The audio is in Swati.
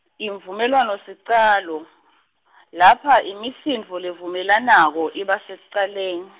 imvumelwanosicalo, lapha imisindvo levumelanako iba sekucalen-.